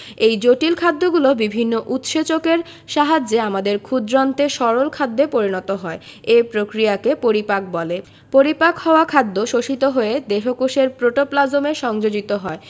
এই জটিল খাদ্যগুলো বিভিন্ন উৎসেচকের সাহায্যে আমাদের ক্ষুদ্রান্তে সরল খাদ্যে পরিণত হয় এই প্রক্রিয়াকে পরিপাক বলে পরিপাক হওয়া খাদ্য শোষিত হয়ে দেহকোষের প্রোটোপ্লাজমে সংযোজিত হয়